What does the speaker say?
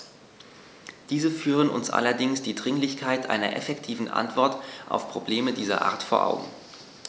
Diese führen uns allerdings die Dringlichkeit einer effektiven Antwort auf Probleme dieser Art vor Augen.